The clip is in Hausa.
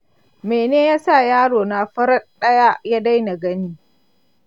mene yasa yaro na farad ɗaya ya daina gani?